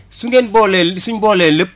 su ngeen boolee suñ boolee lépp